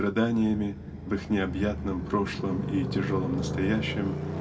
страданиями в их необъятном прошлом и тяжелом настоящем